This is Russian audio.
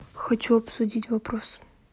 хочу обсудить вопрос